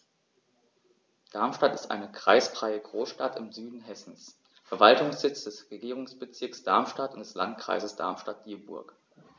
Darmstadt ist eine kreisfreie Großstadt im Süden Hessens, Verwaltungssitz des Regierungsbezirks Darmstadt und des Landkreises Darmstadt-Dieburg.